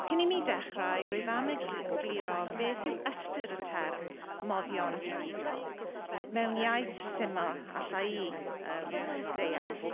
Cyn i mi dechrau rwyf am egr- -gluro beth yw ystyr y term moddion digidol. Mewn iaith syml allai i yym deall.